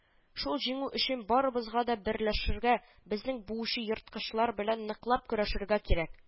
Шул җиңү өчен барыбызга да берләшергә, безне буучы ерткычлар белән ныклап көрәшергә кирәк